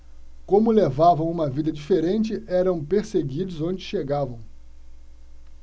como levavam uma vida diferente eram perseguidos onde chegavam